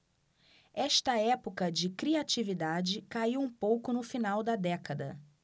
esta época de criatividade caiu um pouco no final da década